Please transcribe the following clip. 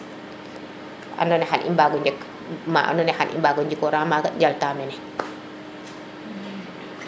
ando naye xan i mbago njeg ma ando naye xan mbago njikora maaga njalta mene